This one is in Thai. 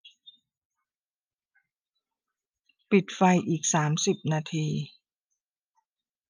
ปิดไฟอีกสามสิบนาที